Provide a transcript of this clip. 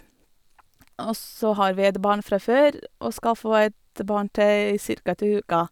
Og så har vi et barn fra før, og skal få et barn til cirka til uka.